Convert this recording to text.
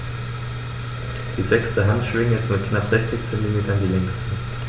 Die sechste Handschwinge ist mit knapp 60 cm die längste.